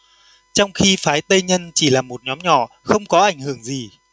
trong khi phái tây nhân chỉ là một nhóm nhỏ không có ảnh hưởng gì